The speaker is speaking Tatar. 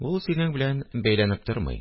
Ул синең белән бәйләнеп тормый